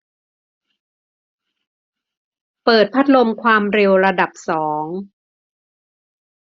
เปิดพัดลมความเร็วระดับสอง